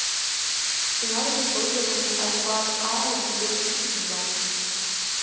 сценарий использования ipad air две тысячи двадцать